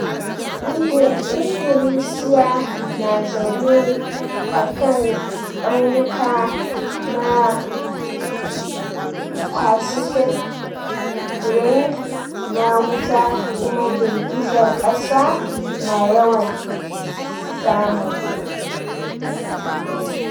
Indonesia na zaune a kan tsaunuka na Pacific Ring na Wuta kuma girgizar kasa na yawan samunsu.